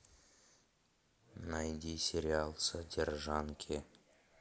найди сериал содержанки